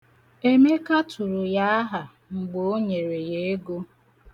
Emeka turu ya aha mgbe o nyere ya ego.